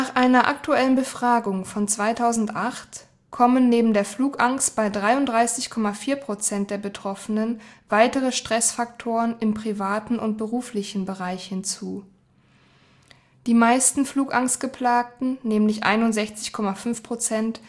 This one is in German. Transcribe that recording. einer aktuellen Befragung von 2008 kommen neben der Flugangst bei 33,4 % der Betroffenen weitere Stressfaktoren im privaten und beruflichen Bereich hinzu. Die meisten Flugangstgeplagten sind bereits mehrmals geflogen (61,5 %